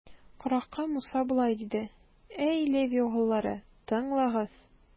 Корахка Муса болай диде: Әй Леви угыллары, тыңлагыз!